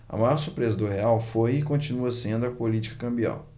a maior surpresa do real foi e continua sendo a política cambial